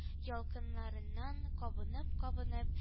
Ялкыннарыннан кабынып-кабынып